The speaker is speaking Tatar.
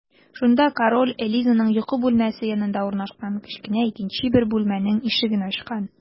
Шунда король Элизаның йокы бүлмәсе янында урнашкан кечкенә икенче бер бүлмәнең ишеген ачкан.